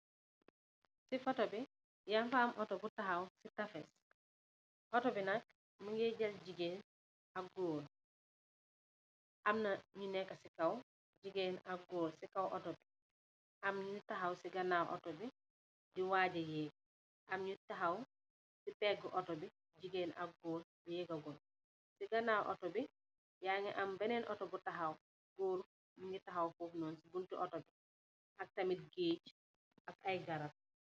Si foto bi, yaang fa am Otto bu taxaw....Otto bi nak, mungee jël Goor ak jigéen. Am na ñu neek si kow, Goor ak jigéen. Am ñu taxaw, si ganaaw Otto bi, di waaja yeec. Am ñu taxaw, si peegë Otto bi, jigéen ak goor, yeega guñg. Si ganaaw Otto bi, yaangi am benen Otto bu taxaw, Goor muñgi taxaw foof noon, si buntu otto bi, ak tam geege, ak ay garab